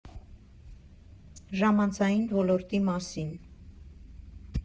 ԺԱՄԱՆՑԱՅԻՆ ՈԼՈՐՏԻ ՄԱՍԻՆ։